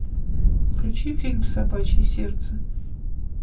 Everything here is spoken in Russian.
включи фильм собачье сердце